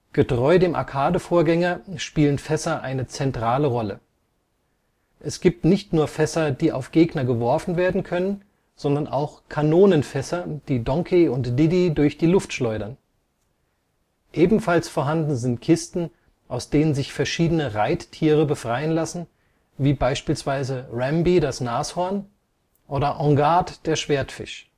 Getreu dem Arcade-Vorgänger spielen Fässer eine zentrale Rolle. Es gibt nicht nur Fässer, die auf Gegner geworfen werden können, sondern auch „ Kanonenfässer “, die Donkey und Diddy durch die Luft schleudern. Ebenfalls vorhanden sind Kisten, aus denen sich verschiedene Reittiere befreien lassen, wie beispielsweise Rambi das Nashorn oder Enguarde der Schwertfisch